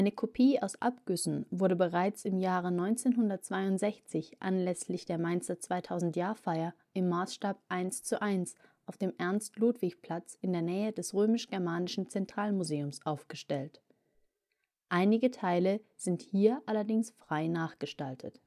Kopie aus Abgüssen wurde bereits 1962 anlässlich der Mainzer 2000-Jahr-Feier im Maßstab 1:1 auf dem Ernst-Ludwig-Platz in der Nähe des Römisch-Germanischen-Zentralmuseums aufgestellt. Einige Teile sind hier allerdings frei nachgestaltet